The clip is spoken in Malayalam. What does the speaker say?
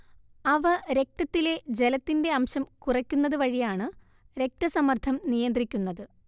അവ രക്തത്തിലെ ജലത്തിന്റെ അംശം കുറയ്ക്കുന്നത് വഴിയാണ് രക്തസമ്മർദ്ദം നിയന്ത്രിക്കുന്നത്